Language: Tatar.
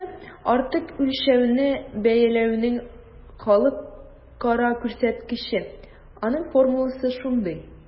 ИМТ - артык үлчәүне бәяләүнең халыкара күрсәткече, аның формуласы шундый: